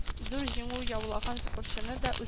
Зур җиңү яулаган спортчыны да